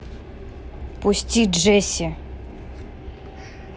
пусти джесси